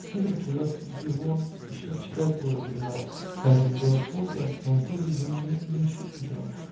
Федор привез его еще вчера из города, но так как было поздно, он подал его Мими нынче утром.